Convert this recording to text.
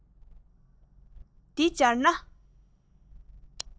འདི སྤྱིར ན